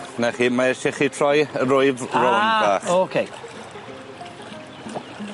'Na chi, mae isie chi troi y rwyf rownd bach. Ah, ocê.